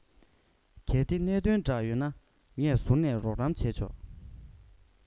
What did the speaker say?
གལ ཏེ གནད དོན འདྲ ཡོད ན ངས ཟུར ནས རོགས རམ བྱས ཆོག